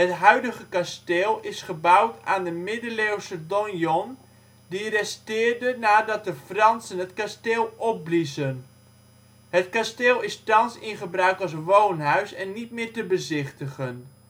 huidige kasteel is gebouwd aan de middeleeuwse donjon die resteerde nadat de Fransen het kasteel opbliezen. Het kasteel is thans in gebruik als woonhuis en niet meer te bezichtigen